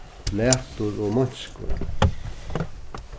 latur og meinskur